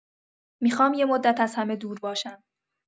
می‌خوام یه مدت از همه دور باشم